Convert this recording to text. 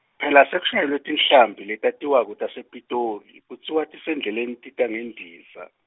phela sekushayelwe tinhlambi letatiwako tasePitoli, kutsiwa tisendleleni tita ngendiza.